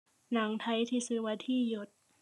หนังไทยที่ชื่อว่าธี่หยด